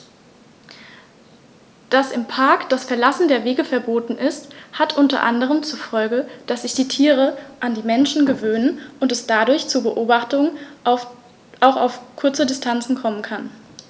Dass im Park das Verlassen der Wege verboten ist, hat unter anderem zur Folge, dass sich die Tiere an die Menschen gewöhnen und es dadurch zu Beobachtungen auch auf kurze Distanz kommen kann.